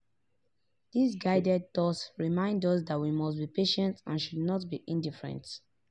This guided tours remind us that we must be patient and should not become indifferent.